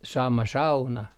sama sauna